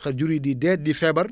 jur yi di dee di feebar